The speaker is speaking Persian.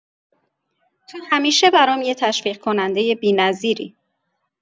تو همیشه برام یه تشویق‌کننده بی‌نظیری!